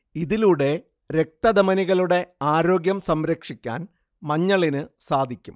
ഇതിലൂടെ രക്തധമനികളുടെ ആരോഗ്യം സംരക്ഷിക്കാൻ മഞ്ഞളിന് സാധിക്കും